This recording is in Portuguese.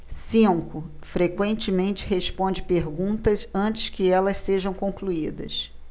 cinco frequentemente responde perguntas antes que elas sejam concluídas